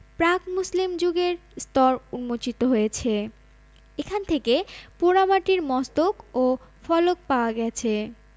প্রাক মুসলিম যুগের স্তর উন্মোচিত হয়েছে এখান থেকে পোড়ামাটির মস্তক ও ফলক পাওয়া গেছে